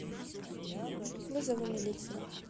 вызову милицию